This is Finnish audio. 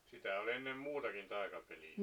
sitä oli ennen muutakin taikapeilejä